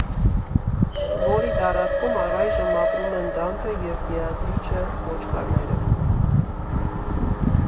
Որի տարածքում առայժմ ապրում են Դանթե և Բեատրիչե ոչխարները։